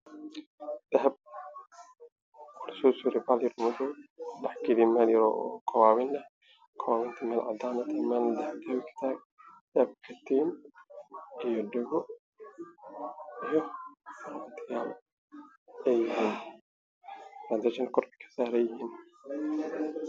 Dahab ladhex gali yay meel koo baabin ah